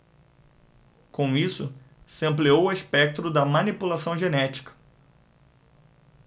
com isso se ampliou o espectro da manipulação genética